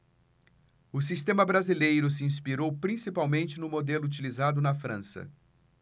o sistema brasileiro se inspirou principalmente no modelo utilizado na frança